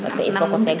parce que il faut o segg